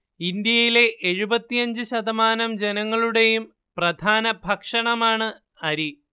ഇന്ത്യയിലെ എഴുപത്തിയഞ്ച് ശതമാനം ജനങ്ങളുടേയും പ്രധാന ഭക്ഷണമാണ് അരി